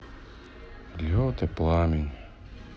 лед или пламень